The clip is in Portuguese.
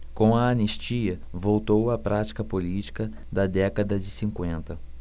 com a anistia voltou a prática política da década de cinquenta